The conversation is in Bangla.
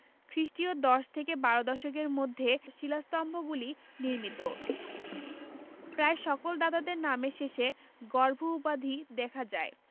খ্রিস্টীয় দশ থেকে বারো দশকের মধ্যে শিলাস্তম্ভগুলি নির্মিত প্রায় সকল দাতাদের নামের শেষে গর্ভ উপাধি দেখা যায়